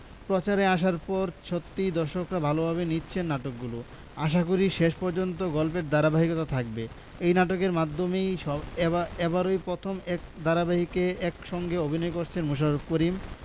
প্রচারে আসার পর সত্যিই দর্শকরা ভালোভাবে নিচ্ছেন নাটকগুলো আশাকরি শেষ পর্যন্ত গল্পের ধারাবাহিকতা থাকবে এ নাটকের মাধ্যমেই এবারই প্রথম এক ধারাবাহিকে একসঙ্গে অভিনয় করছেন মোশাররফ করিম